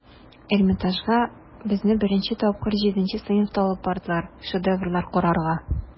Эрмитажга безне беренче тапкыр җиденче сыйныфта алып бардылар, шедеврлар карарга.